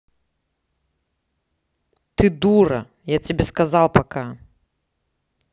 ты дура я тебе сказал пока